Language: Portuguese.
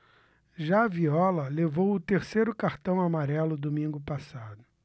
já viola levou o terceiro cartão amarelo domingo passado